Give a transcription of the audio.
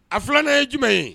A 2 an ye jumɛn ye?